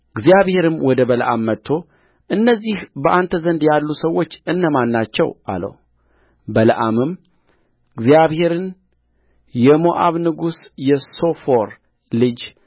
እግዚአብሔርም ወደ በለዓም መጥቶ እነዚህ በአንተ ዘንድ ያሉ ሰዎች እነማን ናቸው አለውበለዓምም እግዚአብሔርን የሞዓብ ንጉሥ የሴፎር ልጅ